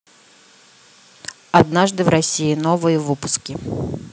однажды в россии новые выпуски